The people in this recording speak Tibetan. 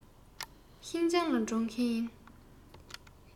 ཤིན ཅང ལ འགྲོ མཁན ཡིན